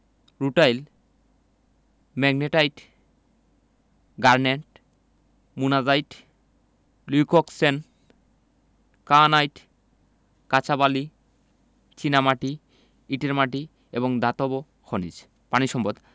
rutile magnetite garnet monazite leucoxene kyanite কাঁচবালি চীনামাটি ইটের মাটি এবং ধাতব খনিজ পানি সম্পদঃ